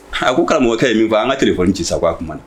A ko karamɔgɔ kɛ ye min fɔ an ka téléphone ci sa u b'a kuma na.